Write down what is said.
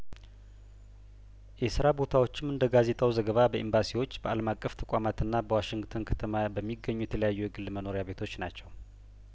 የስራ ቦታዎችም እንደጋዜጣው ዘገባ በኤምባሲዎች በአለም አቀፍ ተቋማትና በዋሽንግተን ከተማ በሚገኙ የተለያዩ የግል መኖሪያ ቤቶች ናቸው